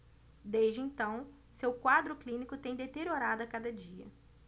desde então seu quadro clínico tem deteriorado a cada dia